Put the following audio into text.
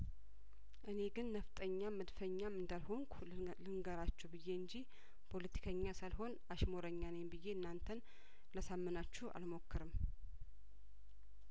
እኔ ግን ነፍጠኛም መድፈኛም እንዳልሆኩ ልነልንገራችሁ ብዬ እንጂ ፖለቲከኛ ሳልሆን አሽሙረኛ ነኝ ብዬ እናንተን ላሳምናችሁ አልሞክርም